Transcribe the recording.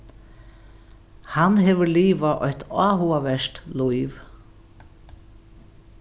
hann hevur livað eitt áhugavert lív